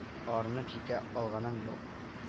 Арынып җитә алганым юк